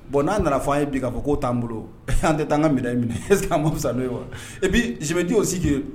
Bon n'a nana f’an ye bi k'o t'an bolo an tɛ taa an ka médaille minɛn est-ce que a fusa n'o ye wa et puis je me dis aussi que